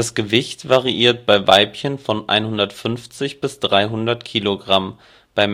Gewicht variiert bei Weibchen von 150 bis 300 Kilogramm, bei